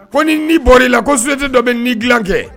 Ko ni ni bɔra i la ko s sinti dɔ bɛ ni dilan kɛ